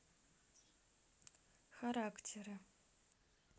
характеры